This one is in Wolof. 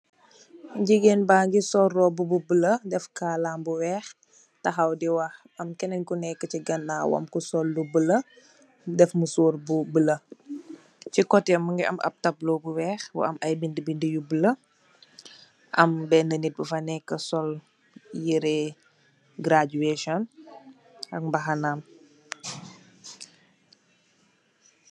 Jigeen ba ngi soul roubu bu bulo daf kalam bu wax tahow de wah am kenke ku neka mu soul lu bulo daf musuro bulo kotem mu gi amhe taplow bu wax am bedabeda u bulo am na bena ku soul mbuba graduation ak mbana.